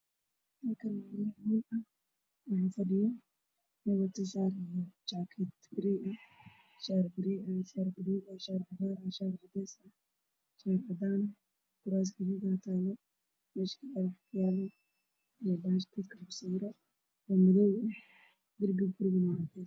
Meeshaan waa meel hool ah waxaa fadhiyo nin wato shaar garee ah, shaar buluug ah, shaati cadaan ah iyo shaar fiyool ah kuraas buluug ah taalo, darbiguna Waa madow.